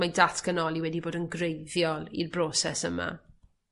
Mae datganoli wedi bod yn greiddiol i'r broses yma.